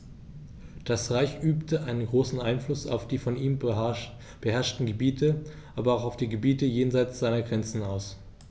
Das Reich übte einen großen Einfluss auf die von ihm beherrschten Gebiete, aber auch auf die Gebiete jenseits seiner Grenzen aus.